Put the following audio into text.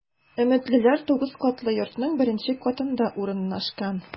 “өметлеләр” 9 катлы йортның беренче катында урнашкан.